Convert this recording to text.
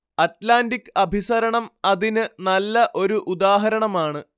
Atlantic അഭിസരണം അതിന് നല്ല ഒരു ഉദാഹരണമാണ്